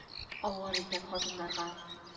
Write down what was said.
Авыр икән хатыннарга